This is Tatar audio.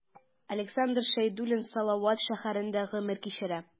Александр Шәйдуллин Салават шәһәрендә гомер кичерә.